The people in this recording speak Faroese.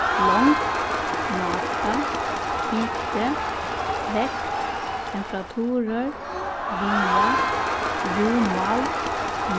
longd máta hiti vekt temperaturur viga rúmmál